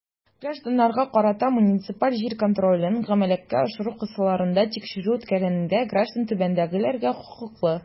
Гражданнарга карата муниципаль җир контролен гамәлгә ашыру кысаларында тикшерү үткәргәндә граждан түбәндәгеләргә хокуклы.